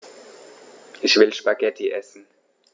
Ich will Spaghetti essen.